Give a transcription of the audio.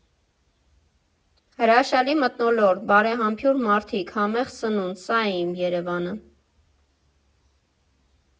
Հրաշալի մթնոլորտ, բարեմաբույր մարդիկ, համեղ սնունդ ֊ սա է իմ Երևանը։